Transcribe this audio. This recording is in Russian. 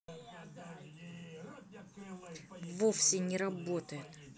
вовсе не работает